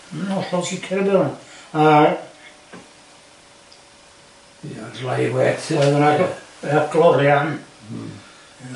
m'yn hollol sicir erbyn ŵan a... Ia live weight... o' 'na glorian... hmm